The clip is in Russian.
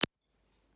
да ну wasted